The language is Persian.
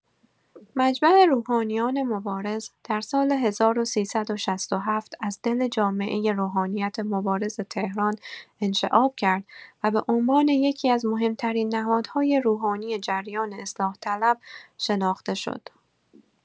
مجمع روحانیان مبارز در سال ۱۳۶۷ از دل جامعه روحانیت مبارز تهران انشعاب کرد و به عنوان یکی‌از مهم‌ترین نهادهای روحانی جریان اصلاح‌طلب شناخته شد.